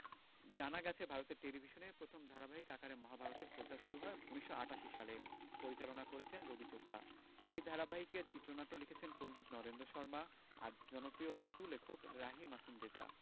জানা গেছে ভারতের টেলিভিশনে প্রথম ধারাবাহিক আকারে মহাভারত এর প্রচার শুরু হয় ১৯৮৮ সালে পরিচালনা করেছেন রবি চোপড়া এই ধারাবাহিকের চিত্রনাট্য লিখেছেন পণ্ডিত নরেন্দ্র শর্মা আর জনপ্রিয় উর্দু লেখক রাহি মাসুম রেজা